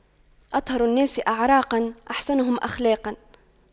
أطهر الناس أعراقاً أحسنهم أخلاقاً